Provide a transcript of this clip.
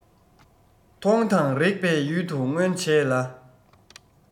མཐོང དང རེག པའི ཡུལ དུ མངོན བྱས ལ